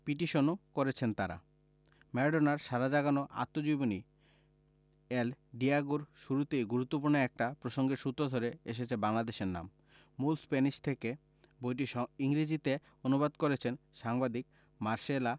পিটিশনও করেছেন তাঁরা ম্যারাডোনার সাড়া জাগানো আত্মজীবনী এল ডিয়েগো র শুরুতেই গুরুত্বপূর্ণ একটা প্রসঙ্গের সূত্র ধরে এসেছে বাংলাদেশের নাম মূল স্প্যানিশ থেকে বইটি ইংরেজিতে অনু্বাদ করেছেন সাংবাদিক মার্সেলা